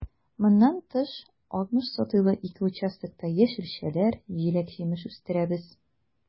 Моннан тыш, 60 сотыйлы ике участокта яшелчәләр, җиләк-җимеш үстерәбез.